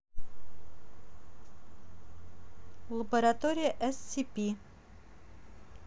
лаборатория scp